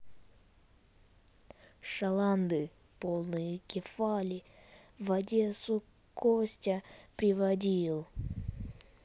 шаланды полные кефали в одессу костя приводил